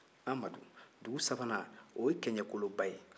amadu dugu sabanan o ye kɛɲɛkoloba ye